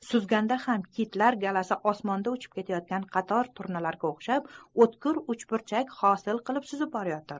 suzganda ham kitlar galasi osmonda uchib ketayotgan qator turnalarga o'xshab o'tkir uchburchak hosil qilib suzib borayotir